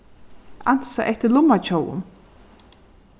ansa eftir lummatjóvum